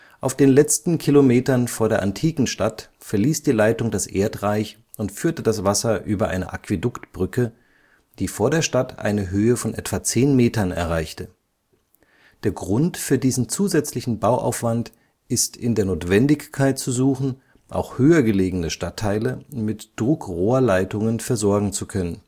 Auf den letzten Kilometern vor der antiken Stadt verließ die Leitung das Erdreich und führte das Wasser über eine Aquäduktbrücke, die vor der Stadt eine Höhe von etwa 10 Metern erreichte. Der Grund für diesen zusätzlichen Bauaufwand ist in der Notwendigkeit zu suchen, auch höher gelegene Stadtteile mit Druckrohrleitungen versorgen zu können